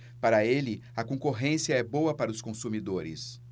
para ele a concorrência é boa para os consumidores